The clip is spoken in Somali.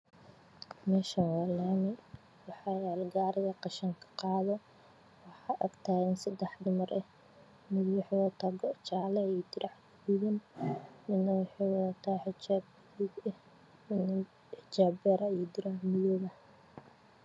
Meeshaan waa laami waxaa yaalo gaariga qashinka waxaa agtaagan seddex dumar ah. Mid waxay wadataa go jaale ah iyo dirac gaduudan, midna xijaab beer ah iyo dirac madow.